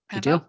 'Na fo.